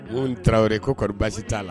U tarawele ye koɔri baasi t'a la